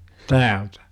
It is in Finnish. täältä